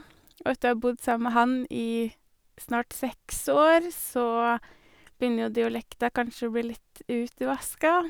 Og etter å ha bodd sammen med han i snart seks år så begynner jo dialekten kanskje å bli litt utvaska.